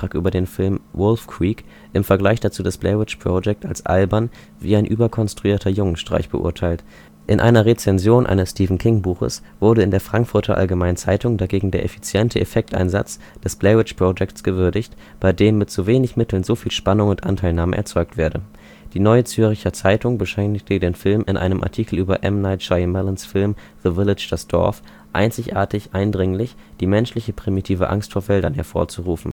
über den Film Wolf Creek im Vergleich dazu das Blair Witch Project als „ albern (…), wie ein überkonstruierter Jungenstreich “, beurteilt. In einer Rezension eines Stephen-King-Buches wurde in der Frankfurter Allgemeinen dagegen der „ effiziente [] Effekteinsatz “des Blair Witch Projects gewürdigt, bei dem „ mit so wenig Mitteln so viel Spannung und Anteilnahme “erzeugt werde. Die Neue Zürcher Zeitung bescheinigte dem Film in einem Artikel über M. Night Shyamalans Film The Village – Das Dorf, „ einzigartig eindringlich “die menschliche „ primitive Angst vor Wäldern “hervorzurufen